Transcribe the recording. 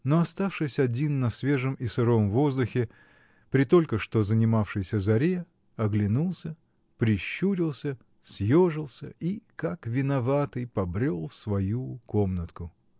но, оставшись один на свежем и сыром воздухе, при только что занимавшейся заре, оглянулся, прищурился, съежился и, как виноватый, побрел в свою комнатку.